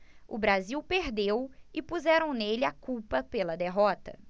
o brasil perdeu e puseram nele a culpa pela derrota